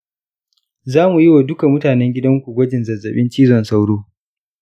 zamu yiwa duka mutanen gidan ku gwajin zazzaɓin cizon sauro.